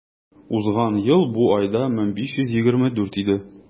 Узган ел бу айда 1524 иде.